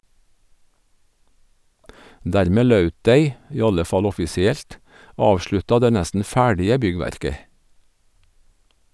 Dermed laut dei - i alle fall offisielt - avslutta det nesten ferdige byggverket.